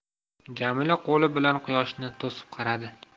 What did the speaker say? jamila qoli bilan quyoshni to'sib qaradi